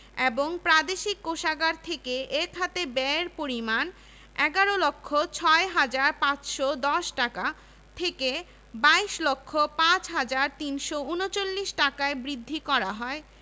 নবাব সৈয়দ নওয়াব আলী চৌধুরী নবাব সিরাজুল ইসলাম ঢাকার জমিদার ও উকিল আনন্দচন্দ্র রায় ঢাকা কলেজের অধ্যক্ষ ডব্লিউ.এ.টি আর্চবোল্ড